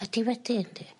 Ydi wedi ydi?